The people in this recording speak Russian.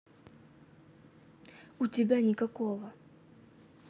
у тебя никакого